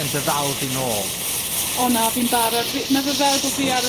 yn dy ddal di nôl? O na fi'n barod dwi ma' fo fel bo fi ar y